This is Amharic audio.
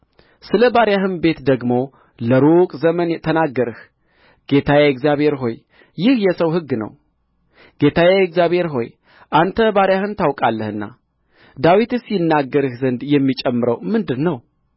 ስለ ባሪያህም ቤት ደግሞ ለሩቅ ዘመን ተናገርህ ጌታዬ እግዚአብሔር ሆይ ይህ የሰው ሕግ ነው ጌታዬ እግዚአብሔር ሆይ አንተ ባሪያህን ታውቃለህና ዳዊትስ ይናገርህ ዘንድ የሚጨምረው ምንድር ነው